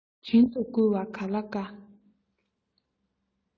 བྲན དུ བཀོལ བར ག ལ དཀའ